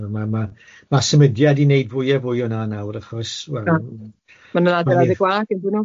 Wel ma- ma- ma' symudiad i neud fwy a fwy o 'na nawr achos wel... Ma' nw'n adeilade gwag yndyn n'w?